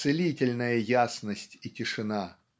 целительная ясность и тишина.